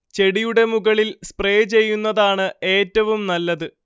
ചെടിയുടെ മുകളിൽ സ്പ്രേ ചെയ്യുന്നതാണ് ഏറ്റവും നല്ലത്